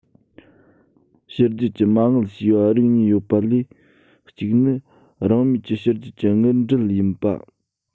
ཕྱི རྒྱལ གྱི མ དངུལ ཞེས པ རིགས གཉིས ཡོད པ ལས གཅིག ནི རང མོས ཀྱི ཕྱི རྒྱལ གྱི དངུལ འགྲུལ ཡིན པ